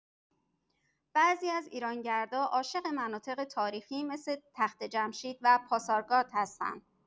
بعضی از ایرانگردا عاشق مناطق تاریخی مثل تخت‌جمشید و پاسارگاد هستن.